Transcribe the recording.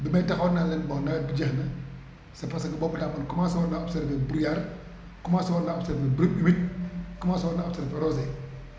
bi may taxaw naan leen bon nawet bi jeex na c' est parce que boobu daa mel ni commencé woon na absorbé broullard commencé woon na absorbé brute humide commencé woon na absorbé rosée